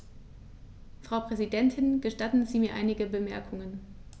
Frau Präsidentin, gestatten Sie mir einige Bemerkungen.